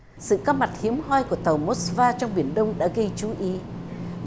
sự góp mặt hiếm hoi của tàu mốt va trong biển đông đã gây chú ý